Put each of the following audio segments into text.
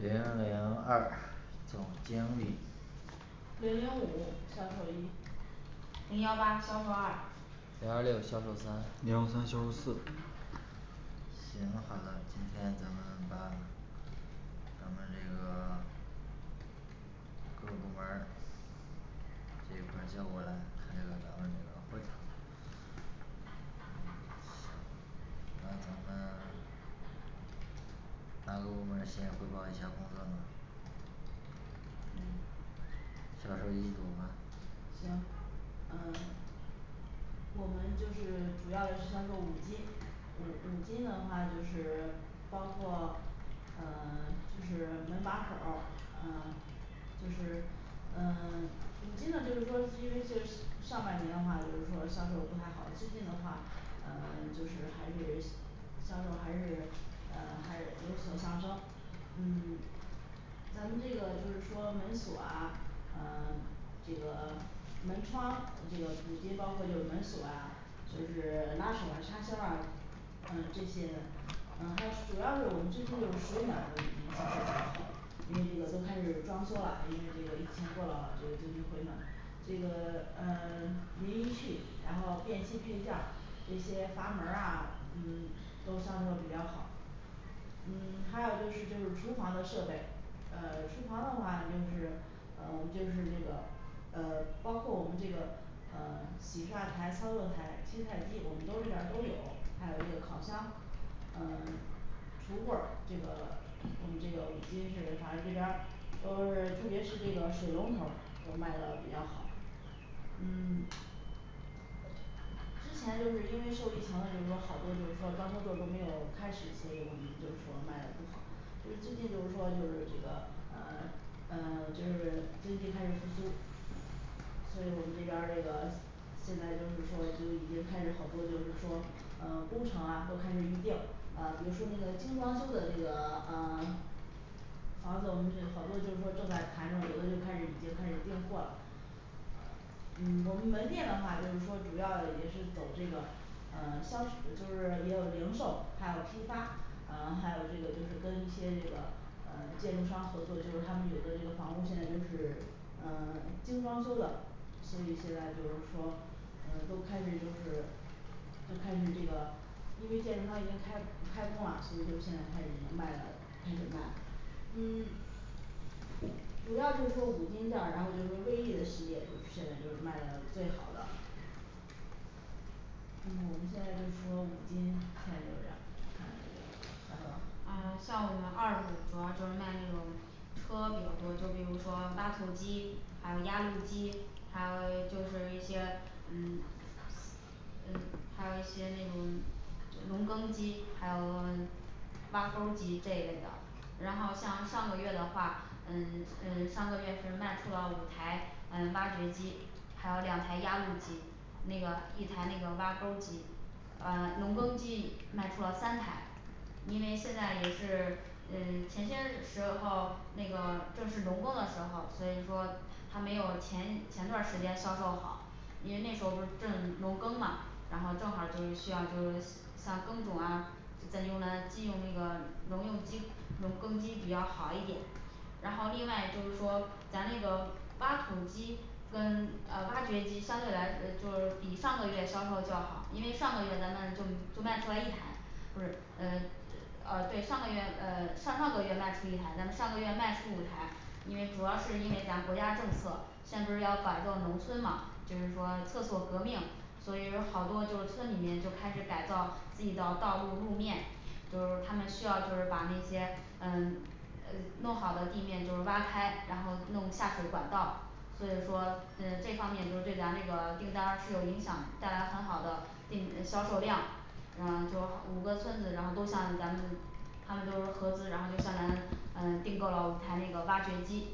零零二总经理零零五销售一零幺八销售二零二六销售三零幺三销售四行好的今天咱们把咱们这个 各部门儿这一块儿叫过来开个咱们这个会然后咱们 哪个部门儿先汇报一下工作呢嗯销售一有吗行嗯 我们就是主要的是销售五金五五金的话就是 包括嗯 就是门把手儿嗯就是嗯 五金的就是说其实就是上半年的话就是说销售不太好最近的话嗯就是还是销售还是嗯还是有所上升嗯 咱们这个就是说门锁啊嗯 这个 门窗这个五金包括就是门锁呀就是拉手儿啊插销儿啊嗯这些的嗯它主要是我们最近就是水暖的五金销售比较好因为这个都开始装修了因为这个疫情过了这个最近回暖这个嗯 淋浴器然后电器配件儿这些阀门儿啊嗯 都销售比较好嗯 还有就是这个厨房的设备，嗯 厨房的话就是，嗯 我们就是这个呃 包括我们这个，嗯 洗刷台操作台切菜机我们都这边儿都有还有这个烤箱嗯 橱柜儿这个我们这个五金是反正这边儿哦是特别是这个水龙头儿我们卖的比较好。嗯 之前就是因为受疫情的就是说好多就是说装修队儿都没有开始所以我们就是说卖的不好就是最近就是说就是这个嗯 嗯 就是经济开始复苏所以我们这边儿这个现在就是说就已经开始好多就是说嗯工程啊都开始预定啊比如说这个精装修的这个啊 房子我们是好多就是说正在谈的合作就开始已经开始订货了。嗯我们门店的话就是说主要也是走这个，嗯 销使 就是也有零售还有批发嗯 还有这个就是跟一些这个嗯建筑商合作就是他们有的这个房屋现在就是 嗯 精装修的所以现在就是说嗯都开始就是，都开始这个，因为建筑商已经开开工了所以就现在开始已经卖了开始卖嗯 主要就是说五金件儿然后就是说威易的系列就是现在就是卖的最好的嗯我们现在就是说五金现在就这样儿看看这个销售嗯二像我们二部主要就是卖那种车比较多就比如说挖土机还有压路机，还有就是一些嗯嗯还有一些那种就农耕机还有嗯，挖沟儿机这一类的然后像上个月的话嗯嗯上个月是卖出了五台嗯挖掘机还有两台压路机，那个一台那个挖沟儿机，呃，农耕机卖出了三台，因为现在也是嗯前些日时候那个正是农耕的时候，所以说，还没有，前前段儿时间销售好，因为那时候不是正农耕嘛然后正好就是需要就是像耕种啊再用了进用那个农用机农耕机比较好一点然后另外就是说，咱那个，挖土机跟嗯挖掘机相对来呃就是比上个月销售较好因为上个月咱们就就卖出了一台，不是嗯呃哦对上个月嗯上上个月卖出一台咱们上个月卖出五台因为主要是因为咱国家政策，现不是要改造农村嘛就是说厕所革命，所以有好多就是村里面就开始改造地道道路路面，就是他们需要，就是把那些，嗯 呃弄好的地面就是挖开，然后弄下水管道，所以说呃这方面就对咱这个订单儿是有影响带来很好的订呃销售量，然后就好五个村子然后都向咱们，他们都是合资然后就向咱嗯订购了五台那个挖掘机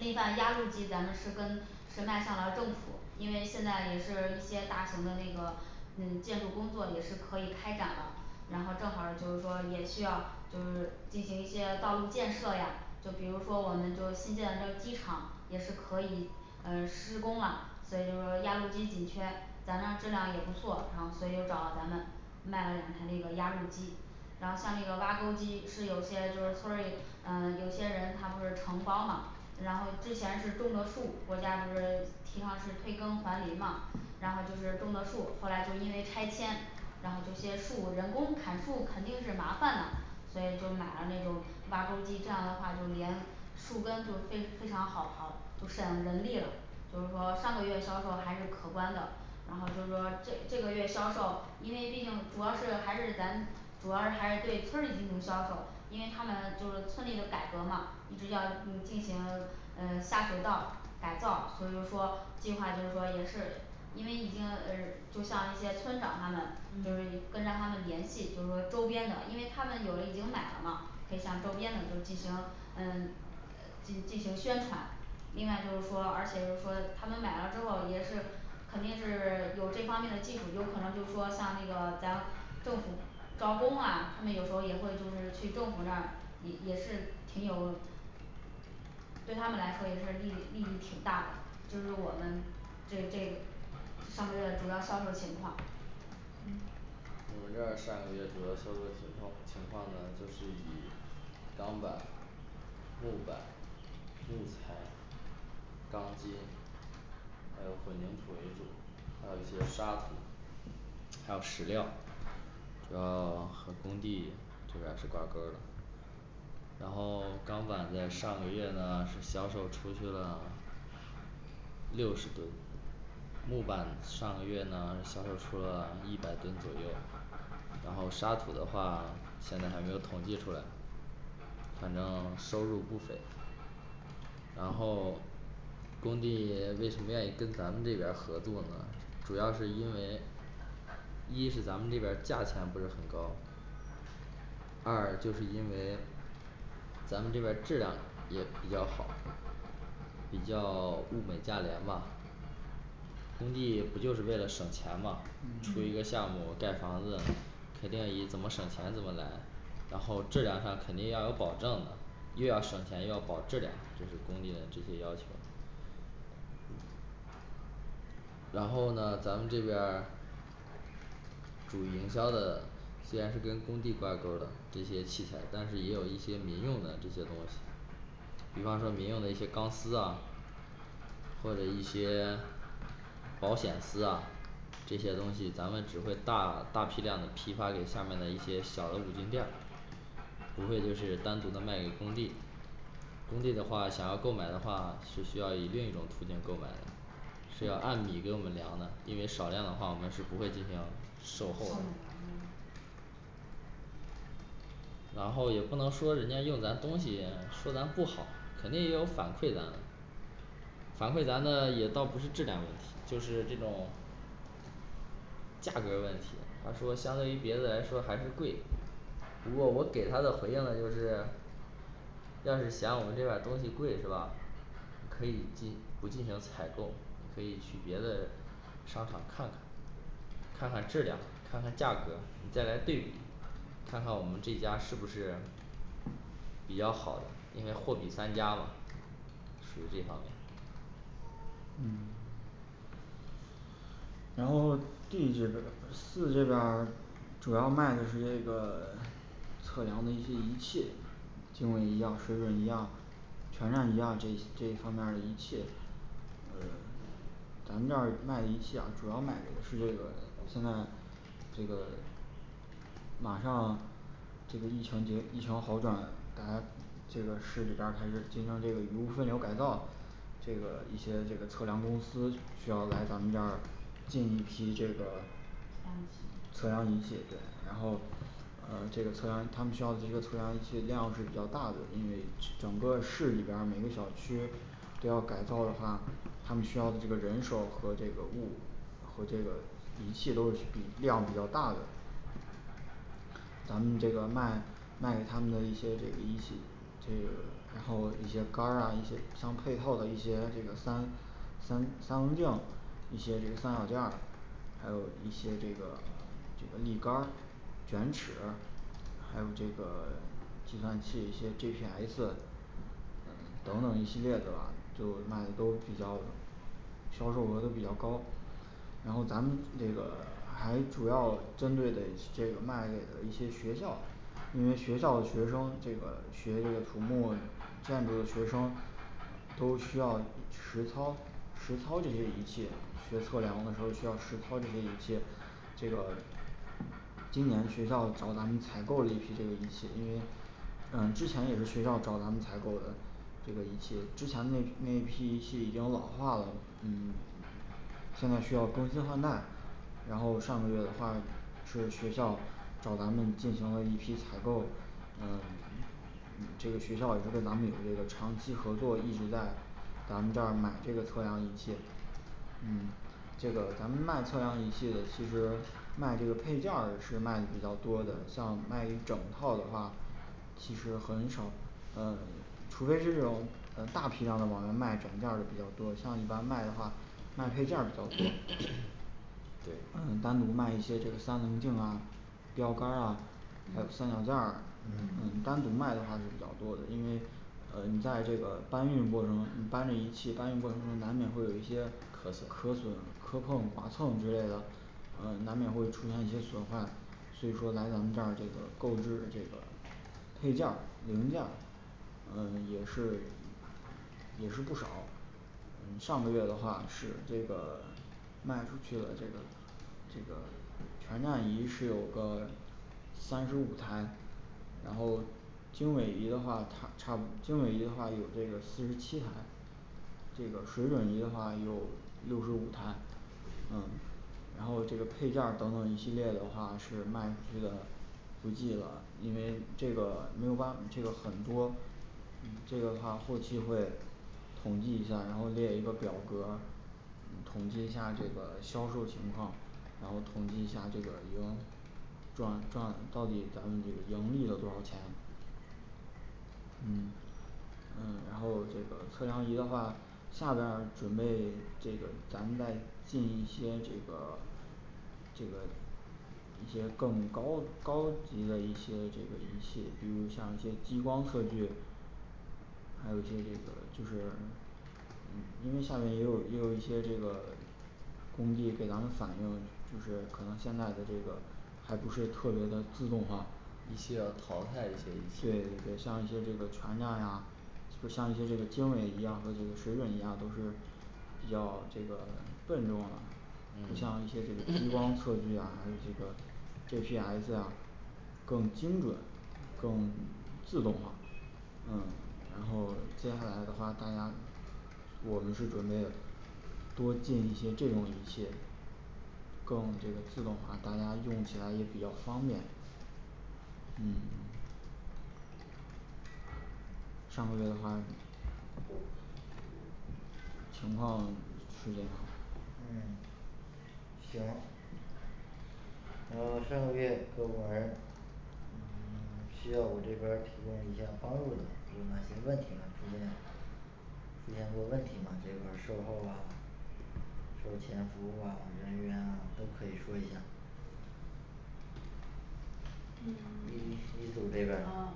另算压路机咱们是跟，是卖向了政府因为现在也是一些大型的那个，嗯建筑工作也是可以开展了，然后正好儿就是说也需要，就是进行一些道路建设呀，就比如说我们就新建的这个机场，也是可以嗯，施工了所以就是压路机紧缺咱那儿质量也不错，然后所以就找到咱们，卖了五台那个压路机，然后像那个挖沟儿机是有些就是村儿里嗯 有些人他不是承包嘛然后之前是种的树，国家不是，提倡是退耕还林嘛然后就是种的树后来就因为拆迁然后这些树人工砍树肯定是麻烦呐所以就买了那种挖沟机，这样的话就连，树根就非非常好垉就省人力了就是说上个月销售还是可观的，然后就是说这这个月销售，因为毕竟主要是还是咱，主要是还是对村儿里进行销售因为它们就是村里的改革嘛，一直要嗯进行嗯下水道改造所以就说计划就是说也是，因为已经呃就像一些村长他们就是嗯跟让他们联系就是说周边的因为他们有的已经买了嘛可以向周边的就进行嗯 进进行宣传另外就是说，而且就是说他们买了之后也是肯定是 有这方面儿的技术，有可能就是说像那个咱，政府招工啊，他们有时候也会就是去政府那儿也也是挺有对他们来说也是利益利益挺大的，就是我们这这个上个月主要销售情况，嗯我这儿上个月主要销售情况情况呢，就是以钢板木板塑材钢筋还有混凝土为主还有一些沙土还有石料然后 和工地这边儿是挂钩儿的然后钢板在上个月呢销售出去了六十吨木板上个月呢销售出了一百吨左右然后沙土的话现在还没有统计出来，反正收入不菲然后，工地为什么愿意跟咱们这边儿合作呢主要是因为，一是咱们这边儿价钱不是很高，二就是因为咱们这边儿质量也比较好比较 物美价廉吧工地不就是为了省钱嘛出一个嗯项目儿盖房子肯定以怎么省钱怎么来，然后质量上肯定要有保证，又要省钱又要保质量，这是工地的这些要求。然后呢，咱们这边儿，属于营销的虽然是跟工地挂钩儿的这些器材，但是也有一些民用的这些东西比方说民用的一些钢丝啊或者一些 保险丝啊这些东西咱们只会大大批量的批发给下面的一些小的五金店儿，无非就是单独的卖给工地，工地的话想要购买的话是需要以另一种途径购买是要按米给我们量的，因为少量的话我们是不会进行售后售卖嗯然后也不能说人家用咱东西说咱不好肯定也有反馈的反馈咱们也倒不是质量问题，就是这种价格儿问题他说相对于别的来说还是贵，如果我们给他的回应是不是要是嫌我们这边儿东西贵是吧可以进不进行采购可以去别的商场看看看看质量，看看价格再来定，看看我们这家是不是比较好的应该货比三家吧属于这方面嗯然后D这边儿四这边儿主要卖的是那个 测量的一些仪器经纬仪呀，水准仪呀全站仪啊这这方面儿的仪器嗯咱们这儿已经卖的仪器呀主要买的是这个现在这个马上这个疫情结疫情好转然后这个市里边儿开始进行这个无污分流改造这个一些这个测量公司需要来咱们这儿进一批这个测量仪器测量仪器对然后嗯这个测量他们需要的一个测量仪器一定要是比较大的因为是整个市里边儿每个小区都要改造的话他们需要的这个人手儿和这个物和这个仪器都是比量比较大的咱们这个卖卖给他们的一些有仪器这个套的一些杆儿啊一些相配套的一些这个三三三棱镜，一些这个三脚架儿还有一些这个这个立杆儿卷尺还有这个计算器一些G P S 等等一系列的吧都卖的都比较销售额都比较高。然后咱们这个还主要针对的一这个卖的一些学校因为学校的学生这个学这个土木建筑的学生都需要实操实操这些仪器去测量的时候需要实操这些仪器这个今年学校找咱们采购了一批这个仪器，因为嗯之前也是学校找咱们采购的这个仪器之前的那批那一批仪器已经老化了嗯 现在需要更新换代然后上个月的话是学校找咱们进行了一批采购嗯 这个学校也跟咱们有这个长期合作一直在咱们这儿买这个测量仪器嗯这个咱们卖测量仪器其实卖这个配件儿是卖的比较多的像卖一整套的话其实很少嗯除非是这种呃大批量的往外卖整件儿的比较多像一般卖的话卖配件儿比较多 对嗯单独卖一些这个三棱镜啊标杆儿啊还嗯三脚架儿你嗯单独卖的还是比较多的，因为嗯你在这个搬运过程搬着仪器搬运过程中，难免会有一些磕磕损损、磕碰划蹭之类的嗯难免会出现一些损坏。所以说来咱们这儿这个购置这个配件儿零件儿嗯也是也是不少嗯上个月的话是这个卖出去了这个这个旋转仪是有个三十五台然后经纬仪的话差差不 经纬仪的话有这个四十七台这个水准仪的话有六十五台嗯然后这个配件儿等等一系列的话是卖出了不计了因为这个没有办法这个很多这个的话后期会统计一下然后列一个表格儿统计一下这个销售情况然后统计一下这个很多赚赚到底咱们盈利了多少钱嗯嗯然后这个测量仪的话下边儿准备这个咱们再进一些这个这个一些更高高级的一些这个仪器比如像一些激光测距还有一些这个就是因为下边也有也有一些这个工地给咱们反映了就是可能现在的这个还不是特别的自动化仪仪器器呀要淘汰一些对仪对器对像一些这个悬架呀，就像一些这个经纬仪呀和这个水准仪呀，都是比较这个笨重啦不嗯像一 些这个激光测距啊，还有这个 G P S啊更精准，更自动化嗯然后接下来的话看看我们是准备多进一些这种仪器更这个希望哈大家用起来也比较方便嗯上个月的话情况 是嗯 行然后上个月各部门儿需要我这边儿提供一些帮助的，有哪些问题呢出现出现过问题吗，这块儿售后啊售前服务啊人员啊可以说一下嗯 一一组儿这边儿啊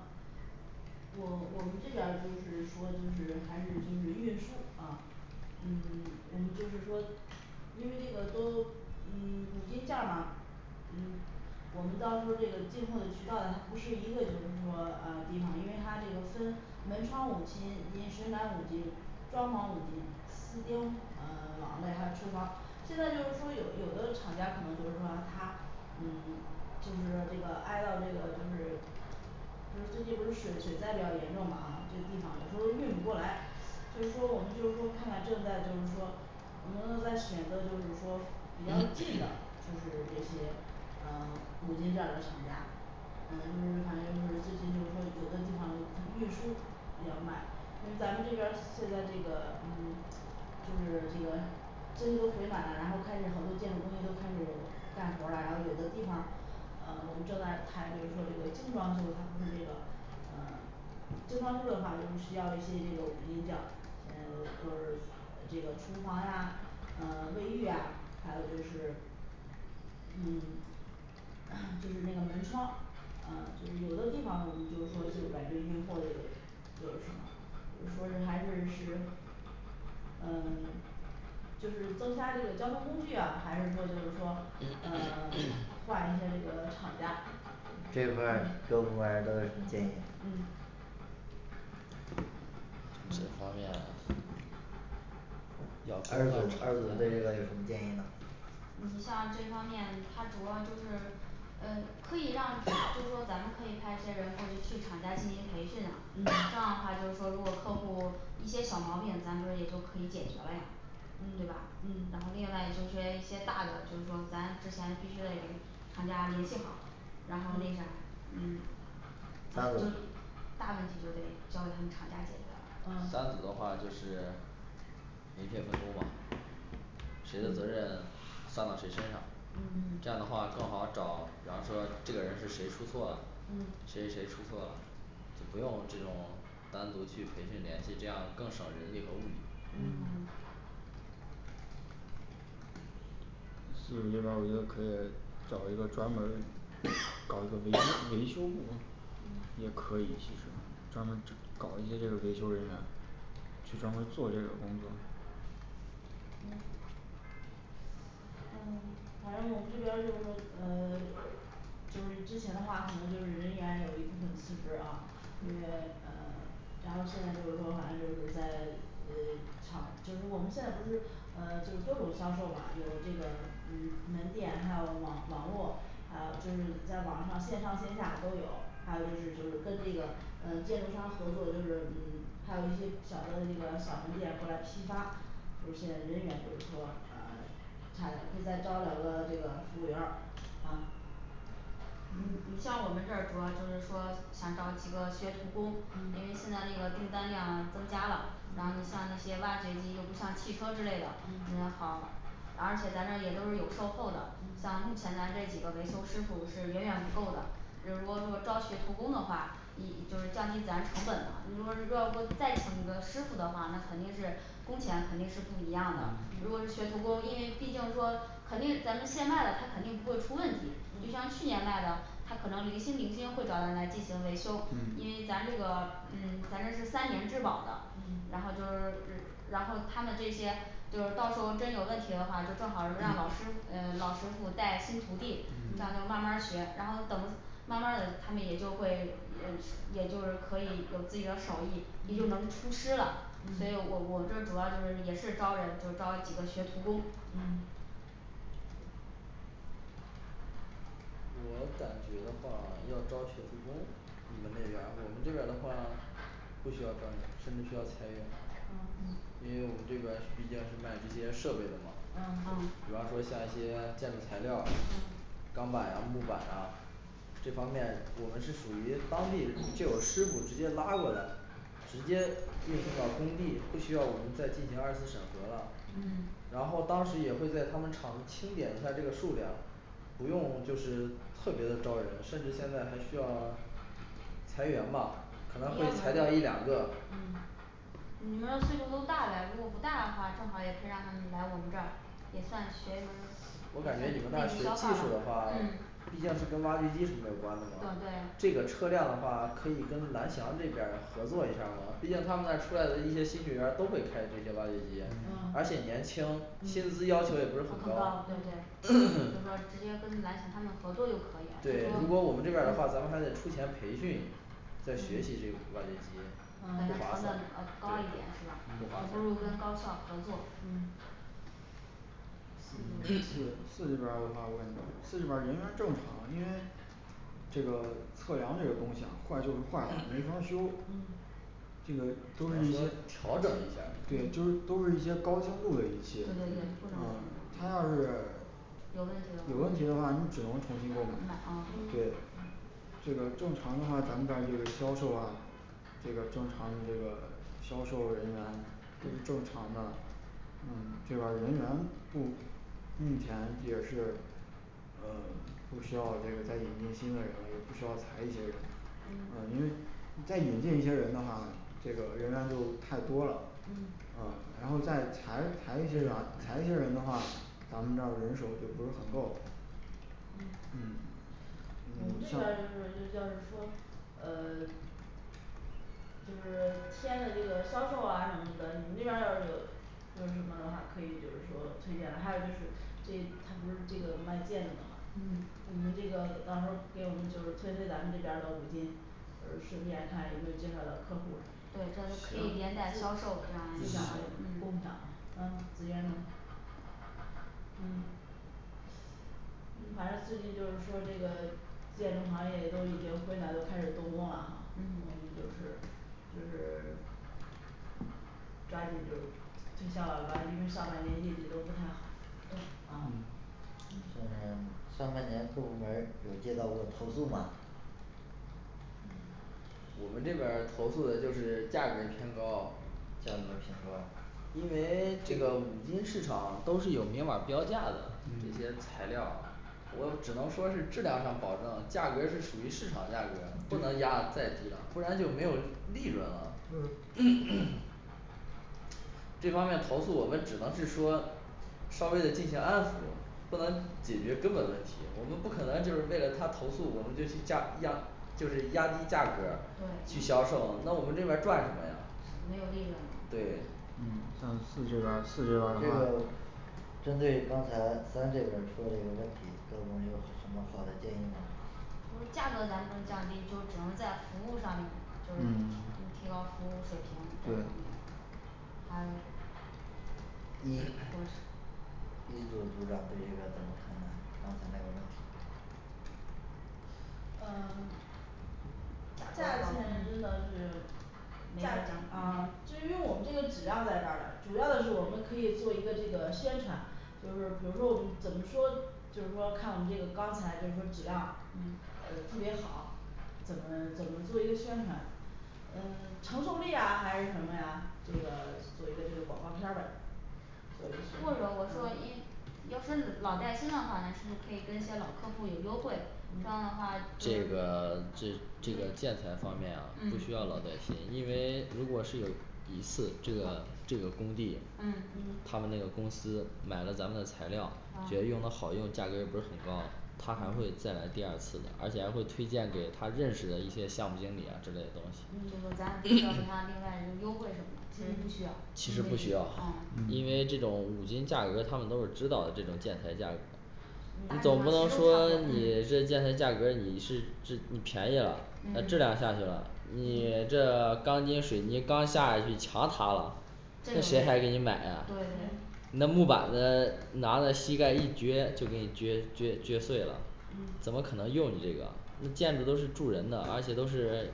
我我们这边儿就是说就是还是就是运输啊嗯 我们就是说因为这个都嗯 五金件儿嘛嗯我们当初这个进货的渠道的，它不是一个就是说啊地方，因为它这个分门窗五金、与水暖五金、装潢五金、丝钉、嗯 网类还有厨房现在就是说有有的厂家可能就是说它嗯 就是这个挨着这个就是就是最近不是水水灾比较严重嘛啊这些地方的所以运不过来就是说我们就是说看看正在就是说能不能在选择就是说比较& &近的就是这些嗯 五金件儿的厂家嗯就是反正就是最近就是说有的地方运输比较慢，因为咱们这边儿现在这个嗯就是这个经济都回暖了，然后开始好多建筑工地都开始干活儿啦，然后有的地方儿嗯我们正在谈就是说这个精装修它不是这个嗯精装修的话就是需要一些这个五金件儿现在都都是呃这个厨房呀嗯 卫浴呀还有就是嗯 就是那个门窗嗯就是有的地方我们就是说就感觉运货那个就是什么就是说是还是是嗯 就是增加这个交通工具啊，还是说就是说& &嗯 换一些这个厂家这一块儿嗯各部门儿都有什么建议呀嗯这方嗯面要二组二组对这个有什么建议呢你像这方面它主要就是嗯可以让& &就是说咱们可以派一些人过去去厂家进行培训啊& &这样嗯的话就是说如果客户一些小毛病，咱不是也就可以解决了呀对嗯吧嗯然后另外就是些一些大的就是说咱之前必须得给厂家联系好然后那啥嗯啊三就是组大问题就得交给他们厂家解决了嗯三 组的话就是明确分工嘛谁的责嗯任算到谁身上，嗯嗯这样的话更好找，比方说这个人是谁出错了嗯谁谁谁出错了就不用这种单独去培训联系，这样更省人力和物力。嗯&嗯&四组这边儿我觉得可以找一个专门儿& &搞一个维修维修部儿嗯也可以一起是专门找 搞一些这个维修人员去专门做这个工作。嗯嗯反正我们这边就是嗯 就是之前的话可能就是人员有一部分辞职啊，因为嗯 然后现在就是说反正就是在诶 厂，就是我们现在不是嗯就是多种销售吧，有这个嗯 门店，还有网网络还有就是在网上线上线下都有还有就是就是跟这个嗯 建筑商合作就是嗯 还有一些小的这个小门店过来批发就是现在人员就是说嗯 差点儿可以再招两个这个服务员儿啊。你嗯你像我们这儿主要就是说想找几个学徒工，因为嗯现在那个订单量增加了，然后你嗯像那些挖掘机又不像汽车之类的嗯嗯好而且咱这儿也都是有售后的，像嗯目前来这儿几个维修师傅是远远不够的就是如果说招学徒工的话，你就是降低咱成本了，你如果如果说再请一个师傅的话，那肯定是工钱肯定是不一样的，如果是嗯学徒工，因为毕竟说肯定咱们现卖的他肯定不会出问题就像嗯去年卖的，他可能零星零星会找人来进行维修&嗯&因为咱这个嗯咱这是三年质保的，然嗯后就是然然后他们这些就是到时候真有问题的话，就正好让老师嗯老师傅带新徒弟，这样就嗯嗯慢慢儿学，然后等慢儿慢儿的他们也就会嗯也就是可以有自己的手艺，也就能嗯出师了所以我嗯我们这儿主要就是也是招人就是招几个学徒工嗯我感觉的话要招学徒工你们那边儿我们这边儿的话不需要招人，甚至需要裁员。嗯嗯因为我们这边儿毕竟是卖这些设备的嘛嗯嗯s，比方说像一些建筑材料儿，嗯钢板啊木板啊这方面我们是属于当地就有师傅直接拉过来，直接运送到工地，不需要我们再进行二次审核了嗯嗯，然后当时也会在他们厂子清点一下儿这个数量不用就是特别的招人，甚至现在还需要 裁员吧要可不能会裁掉然一两个嗯你们那儿岁数都大呗，如果不大的话正好也可以让他们来我们这儿也算学一门儿我也感算觉你内们那里学部消推化土的吧话毕竟是跟挖掘机是有关的对对，这个车辆的话可以跟蓝翔这边儿合作一下儿毕竟他们那儿出来的一些新学员儿都会开这些挖掘机，而嗯且年轻薪嗯资要求也不是很很高高对对 就说直接跟蓝翔他们合作就可以了就对如是果说我们这边儿的话咱们还得出钱培训在学习这嗯个挖掘机嗯感觉麻嗯成烦本比较高一点是吧，不就不高如跟高校合作。嗯四这边儿 四这边儿的话我感觉，四这边儿人员正常，因为这个测量这个东西啊坏就是坏了，没法儿 修嗯这个都是一些调整一下儿嗯，对就嗯都是一些高精度的仪对器对对不能那啊什么它要是有有问问题题的了买话你啊只能重新购买嗯对这个正常的话咱们这儿这个销售啊这个正常这个销售人员，正嗯常的嗯这边儿人员目目前也是嗯不需要这个再引进新的人了，也不需要裁一些人。嗯呃因为再引进一些人的话，这个人员就太多了嗯，呃然后再裁裁一些的裁一些人的话咱们这儿人手也就不是很够。嗯嗯我们这边儿就是就是要是说嗯 就是 签的这个销售啊什么的，你们这边儿要是有就是什么的话可以就是说推荐，还有就是这他不是这个卖建筑的嘛嗯，你们这个到时候儿给我们就是推推咱们这边儿的五金呃顺便看有没有介绍的客户儿什对么的&这就是可行以连带销&售这样一个共嗯享。嘛嗯资源共嗯嗯反正最近就是说这个建筑行业都已经回暖都开始动工了哈我们就是就是 抓紧就是推销了，咱因为上半年业绩都不太好对啊嗯嗯上半年各部门儿有接到过投诉吗？&嗯&我们这边儿投诉的就是价格儿偏高，价格儿偏高因为这个五金市场都是有明码儿标价的，这些嗯材料儿我只能说是质量上保证了价格儿是属于市场价格儿不能压得对再低了，不然就没有利润了对 这方面投诉我们只能是说稍微地进行安抚，不能解决根本问题，我们不可能就是为了他投诉，我们就去价压就是压低价格儿对去销售，那我们这边儿赚什么呀没有利润了对嗯你像就是就是针对刚才三这边儿说的这个问题，各部门儿有什么好的建议吗？就是价格咱不能降低，就只能在服务上面就嗯是嗯提高服务水平这一方对面还有这就是说咱们对这个咱们谈谈问嗯题 价价格钱真高的嗯是没这个再想啊至于我们这个质量在这儿嘞主要的是我们可以做一个这个宣传，就是比如说我们怎么说，就是说看我们这个钢材就是说质量嗯呃特别好怎么怎么做一个宣传？嗯 承受力呀还是什么呀？这个 做一个这个广告片儿呗做一个宣或者传啊我说因要说是老带新的话，咱是不是可以跟一些老客户有优惠这样的话就是这因为个 这这个建材方面啊嗯嗯不需要老带嗯新，因为如果是有一次这个这个工地嗯嗯他们那个公司买了咱们的材料，觉得啊用的好用价格又不是很高他还会再来第二次，而且还会推荐给他认识的一些项目经理啊之类的东西嗯就是说咱不需要给他 另外就优惠什么的，其实不需要嗯，其实不需要嗯，因为这种五金价格他们都是知道的，这种建材价格大地方钱都差不你嗯总不能多说你嗯这建材价格儿你是这便宜了，质嗯量下去了嗯你这钢筋水泥刚下去墙塌了这这谁还个给你买啊，对对嗯那木板子拿那膝盖一撅就给你撅撅撅碎了嗯嗯怎么可能用你这个那建筑都是住人的，而且都是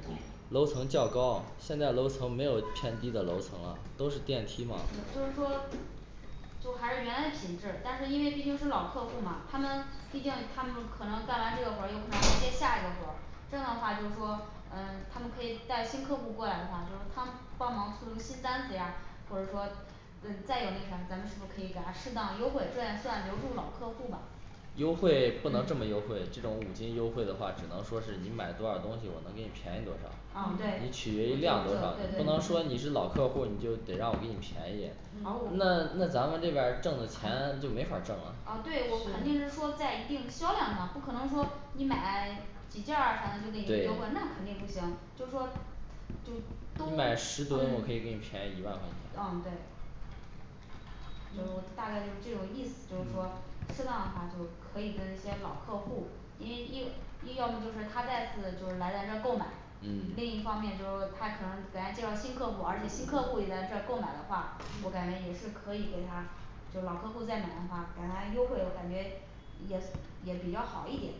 楼层较高，现在楼层没有偏低的楼层了，都是那电梯房就是说就还是原来的品质，但是因为毕竟是老客户嘛，他们毕竟他们可能干完这个活儿有可能再接下一个活儿，这样的话就是说嗯他们可以带新客户过来的话，就是他们帮忙出新单子呀，或者说嗯再有那啥，咱们是不是可以给他适当优惠，这样算留住老客户吧优惠不能这么嗯优惠这种五金优惠的话只能说是你买多少东西我能给你便宜多少嗯嗯，对取决我就是这对对于这样的方式不能说你嗯是老客户，你就得让我给你便宜而我嗯那那咱们这边儿挣的钱就没法儿挣哦对我肯定是说在一定销量上不可能说你买 几件儿反正就给你优惠，那对肯定不行，就是说就都嗯买啊十吨我可以给你便宜一万块钱对就大概就这个意思，就是说适当的话就可以跟一些老客户，因为一一要么就是他再次就是来咱这儿购买嗯另 一方面就是他可能给咱介绍新客户，而且新客户也在这儿购买的话，我感觉也是可以给他就老客户儿再买的话给他优惠，感觉也也比较好一点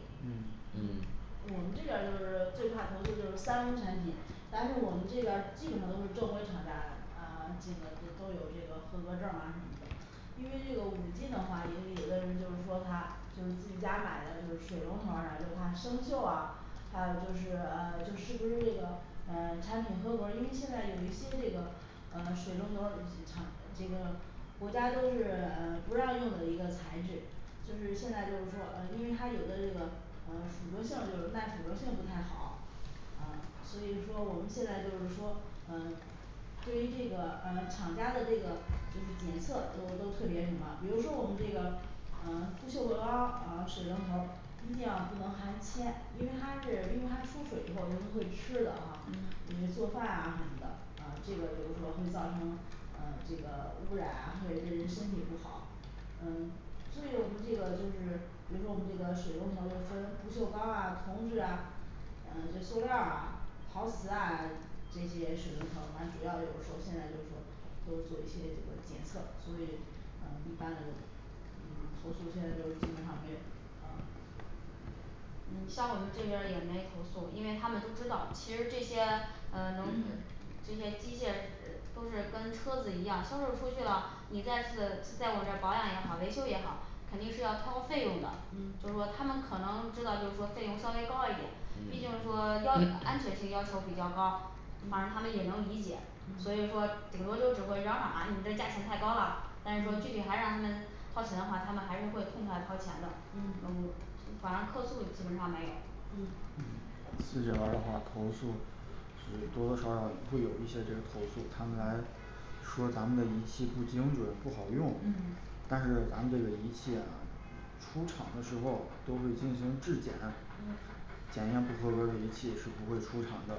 嗯嗯嗯我们这边儿就是最怕投诉就是三无产品但是我们这边儿这基本上都是正规厂家啊进的，都有这个合格证儿啊什么的。因为这个五金的话因为有的人就是说他就是自己家买的就是水龙头儿啊，然后就开始生锈啊还有就是嗯就是不是这个嗯产品合格，因为现在有一些这个嗯水龙头儿厂这个国家都是嗯不让用的一个材质，就是现在就是说嗯因为它有的这个嗯腐蚀性就是耐腐蚀性不太好啊所以说我们现在就是说嗯对于这个嗯厂家的这个就是检测都都特别什么比如说我们这个嗯不锈的钢儿啊水龙头儿，一定要不能含铅，因为它是因为它出水或者人们会吃的哈嗯比如做饭啊什么的嗯这个就是说会造成嗯这个污染啊会对人身体不好嗯所以我们这个就是比如说我们这个水龙头儿就分不锈钢啊铜质啊，嗯这塑料儿啊陶瓷啊这些水龙头儿，它主要就是说现在就是说都是做一些这个检测，所以啊一般的嗯投诉现在就是基本上没有啊像我们这边儿也没投诉，因为他们都知道其实这些嗯能呃 这些机械嗯都是跟车子一样销售出去了，你再次在我们这儿保养也好，维修也好，肯定是要掏费用的。嗯就是说他们可能知道就是说费用稍微高一点，毕竟说要安全性要求比较高反正他们也能理解，所嗯以说顶多就只会嚷嚷啊你这价钱太高了，但是说具体嗯还是让他们掏钱的话，他们还是会痛快掏钱的。嗯嗯反正客诉基本上没有嗯仪器这边儿的话投诉其实多多少少会有一些这个投诉他们来说咱们的仪器不精准不好用嗯，但是咱们这个仪器啊出厂的时候都会进行质检嗯检验不合格的仪器是不会出厂的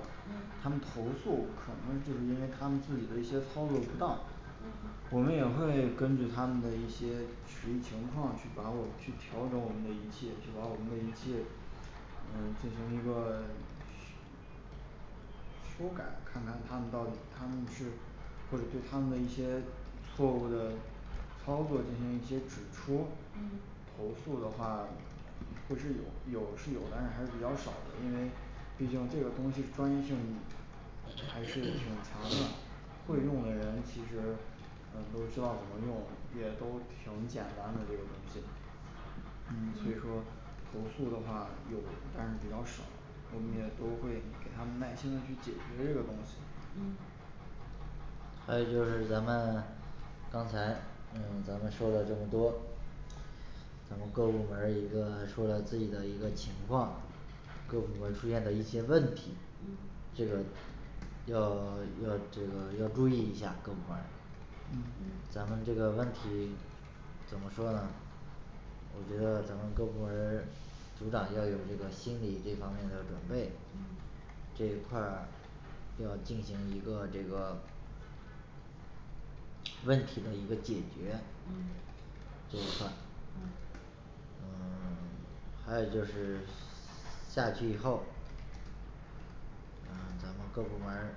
嗯他们投诉可能是因为他们自己的一些操作不当嗯我们也会根据他们的一些实际情况去把我们去调整我们的仪器调好我们的仪器嗯进行那个修改看看他们到底他们是或者对他们的一些错误的操作进行一些指出嗯投诉的话还是有有是有，但是还是比较少。因为毕竟这个东西专业性还是很强的 ，会用的人其实呃都知道怎么用也都挺简单的这个东西所以说嗯投诉的话有但是比较少我们也都嗯会给他们耐心的去解释这个东西嗯还有就是咱们刚才嗯咱们说了这么多咱们各部门儿已经说了自己的一个情况各部门儿出现的一些问题嗯，这个要要这个要注意一下各部门儿嗯嗯咱们这个问题怎么说呢我觉得咱们各部门儿组长要有这个心理这方面的准备嗯这一块儿要进行一个这个问题的一个解决嗯这一块儿嗯嗯 还有就是下去以后嗯咱们各部门儿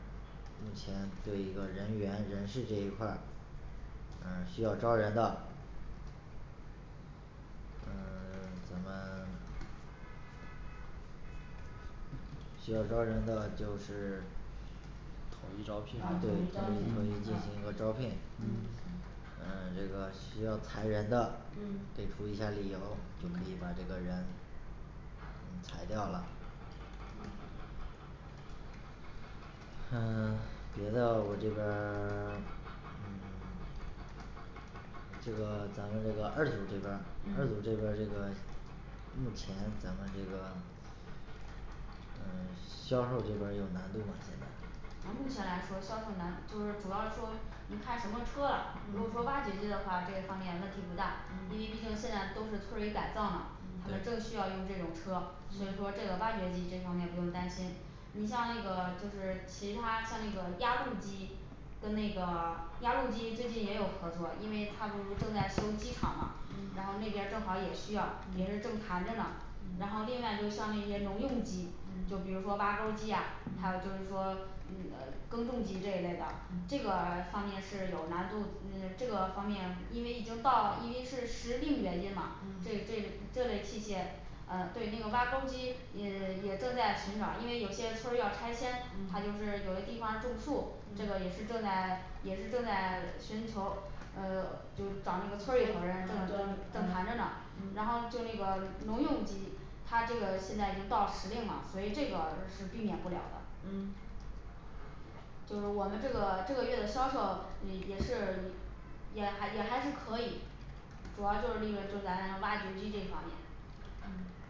目前对一个人员人事这一块儿嗯需要招人的嗯 怎么需要招人的就是统一招啊统一招聘聘统一进行嗯一个招聘嗯嗯这个需要裁人的嗯给出一下儿理由，可以把嗯这个人裁掉啦嗯嗯 别的我这边 这个咱们这个二组这边儿二组嗯这边儿这个目前咱们这个销售这边儿有难度吗现在啊目前来说销售难就是主要说你看什么车了，如果说嗯挖掘机的话这个方面问题不大，因为嗯毕竟现在都是村儿里改造嘛，他们嗯正需要用这种车所以说这嗯个挖掘机这方面不用担心你像那个就是其他像那个压路机跟那个压路机最近也有合作，因为它不是正在修机场嘛，然嗯后那边儿正好也需要也是嗯正谈着呢。然后嗯另外就像那些农用机，就比嗯如说挖沟儿机呀，还有就嗯是说嗯呃耕种机这一类的这嗯个方面是有难度嗯这个方面因为已经到因为是时令原因嘛这嗯这这类器械嗯对那个挖沟机也也正在寻找，因为有些村儿要拆迁，他就是嗯有些地方种树，这个也嗯是正在，也是正在寻求嗯就找那个村儿里头人嗯正正谈着呢然嗯后就那个农用机它这个现在已经到时令了，所以这个是避免不了的嗯就是我们这个这个月的销售嗯也是也也还也还是可以主要就是利润就咱挖掘机这一方面嗯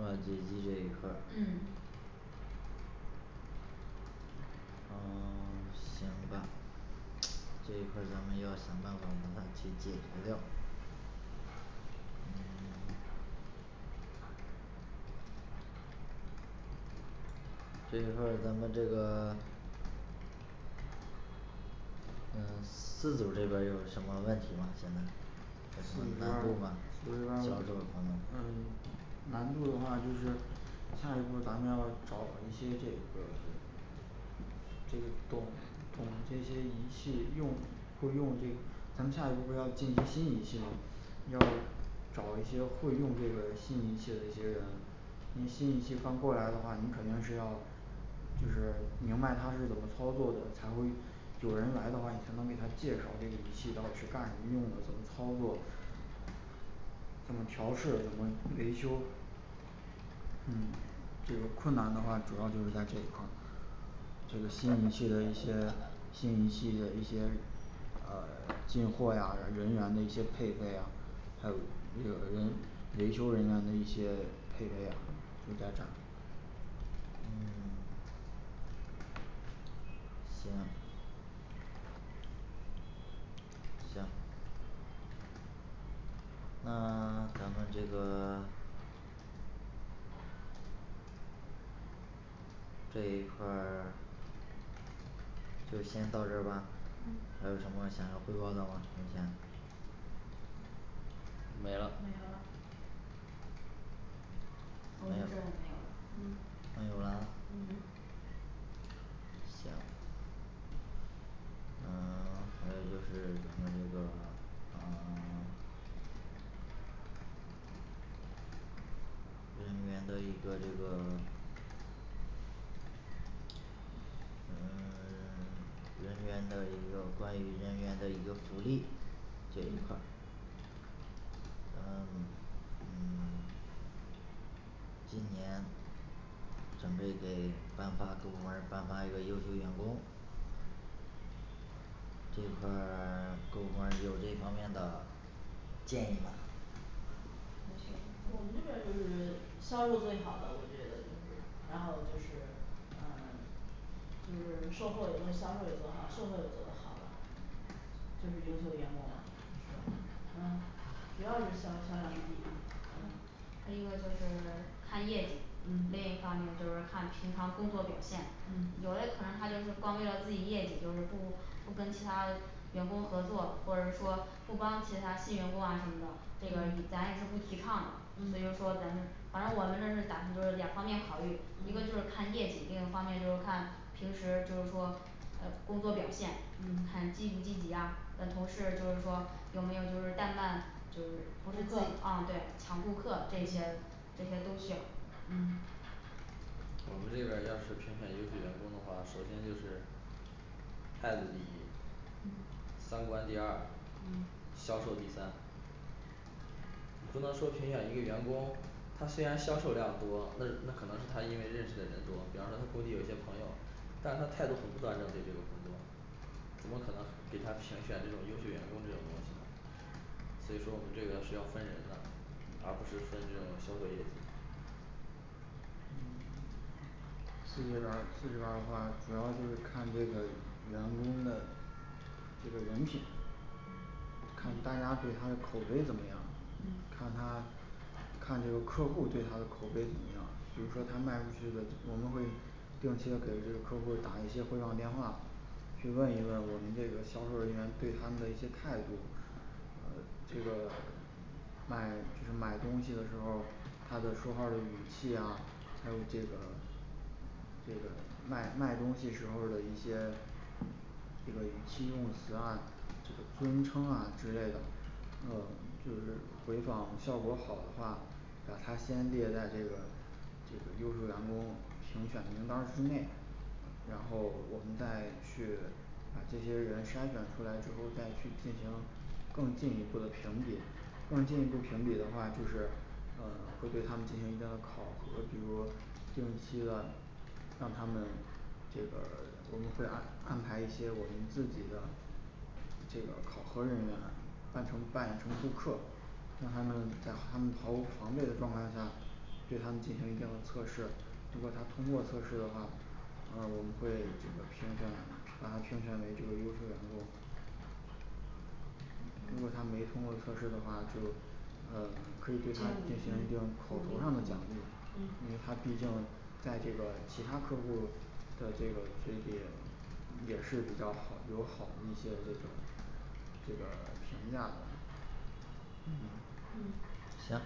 挖掘机这一块儿嗯嗯 行吧这一块儿咱们要想办法把它解解决掉这一块儿咱们这个 嗯四组这边儿有什么问题吗咱难度的话在这个方呃面难度的话就是下一步咱们要找一些这个这懂懂这些仪器用会用这咱们下一步要进新仪器还要找一些会用这个新仪器的一些人，因为新仪器刚过来的话你肯定是要就是明白它是怎么操作的才会有人来的话，你才能给他介绍这个仪器到底是干什么用的怎么操作怎么调试怎么维修嗯这个困难的话主要就是在这一块儿。就是新仪器的一些新仪器的一些啊进货呀人员的一些配备啊还有那个人维修人员的一些配备啊等等嗯行行嗯 咱们这个 这一块儿 就先到这儿吧嗯还有什么问题都汇报了嘛今天没了没有了我没们这儿有也没有了嗯没有了嗯行嗯 还有就是咱们这个嗯 人员的一个这个嗯 人人员的一个关于人员的一个福利这一块儿嗯咱们今年，准备给颁发各部门儿颁发一个优秀员工这一块儿 各部门儿有这一方面的建议吗？我们这边儿就是销售最好的我觉得就是，然后就是嗯 就是售后也做销售也做好，售后也做的好的就是优秀员工了是吧啊主要是销销量第一嗯还有一个就是 看业绩，另嗯一方面就是看平常工作表现。嗯有的可能他就是光为了自己业绩，就是不不跟其他员工合作或者说不帮其他新员工啊什么的，这个嗯咱也是不提倡的，所以嗯说咱们反正我们这是打就是两方面考虑，一个就是嗯看业绩，另一方面就是看平时就是说嗯工作表现嗯看积不积极呀，跟同事就是说有没有就是怠慢，就是不顾是自己客啊对抢顾客这些这些都需要嗯我们这边儿要是评选优秀员工的话，首先就是态度第一嗯三观第二嗯销售第三不能说评选一个员工，他虽然销售量多，但是那可能是他因为认识的人多，比方说他工地有些朋友，但是他态度很不端正对这个工作怎么可能给他评选这种优秀员工这种东西所以说我们这个是要分人的，而不是分这种销售业绩。四这边儿四这边儿的话主要就是看这个员工的这个人品&嗯&看大家对他的口碑怎么样，嗯看他看这个客户对他的口碑怎么样，比如说他卖出去的，我们会定期的给客户打一些回访电话，去问一问我们这个销售人员对他们的一些态度。呃这个卖买东西的时候儿，他的说话儿的语气呀，还有这个这个卖卖东西时候儿的一些这个语气用词啊尊称啊之类的，那就是回访效果好的话，把他先列在这个这个优秀员工评选的名单儿之内，然后我们再去把这些人筛选出来之后，再去进行更进一步的评比。 更进一步评比的话就是嗯会对他们进行一定的考核，比如定期的让他们这个我们会安安排一些我们自己的这个考核人员，让他们扮一个顾客，让他们在他们毫无防备的状态下，对他们进行一定测试。如果他通过测试的话啊我们会全选他推选为这个优秀员工如果他没通过测试的话，就啊可以就对他们进行一定嗯口头儿上的奖励，嗯因为他毕竟在这个其他客户儿的这个也是比较好有好的一些这个这个评价的&嗯&嗯行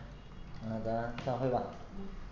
那咱散会吧嗯